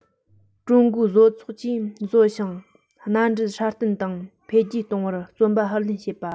ཀྲུང གོའི བཟོ ཚོགས ཀྱིས བཟོ ཞིང མནའ འབྲེལ སྲ བརྟན དང འཕེལ རྒྱས གཏོང བར བརྩོན པ ལྷུར ལེན བྱེད པ